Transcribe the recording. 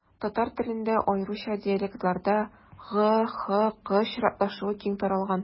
Татар телендә, аеруча диалектларда, г-х-к чиратлашуы киң таралган.